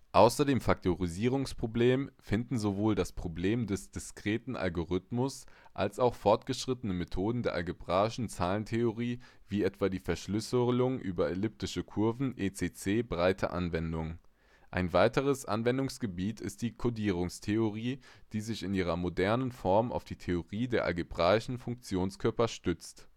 Außer dem Faktorisierungsproblem finden sowohl das Problem des Diskreten Logarithmus (Elgamal-Kryptosystem) als auch fortgeschrittene Methoden der algebraischen Zahlentheorie, wie etwa die Verschlüsselung über elliptische Kurven (ECC) breite Anwendung. Ein weiteres Anwendungsgebiet ist die Codierungstheorie, die sich in ihrer modernen Form auf die Theorie der algebraischen Funktionenkörper stützt